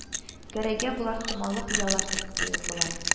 Гәрәйгә болар томанлы пыяла кебек тоелдылар